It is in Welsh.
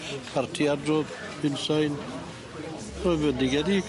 Parti adrodd Ffinsain, mae'n fendigedig.